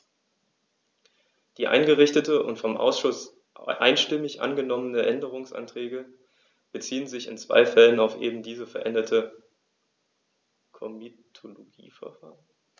Die eingereichten und vom Ausschuss einstimmig angenommenen Änderungsanträge beziehen sich in zwei Fällen auf eben dieses veränderte Komitologieverfahren.